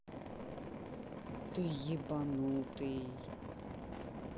ты ебанутый